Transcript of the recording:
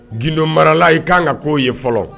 Gindo marala i k kan ka k'o ye fɔlɔ